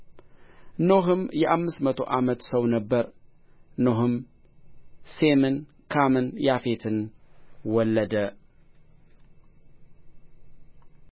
ኖኅም የአምስት መቶ ዓመት ሰው ነበረ ኖኅም ሴምን ካምን ያፌትንም ወለደ